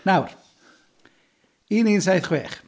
Nawr, un un saith chwech.